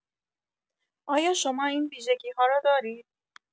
آیا شما این ویژگی‌ها را دارید؟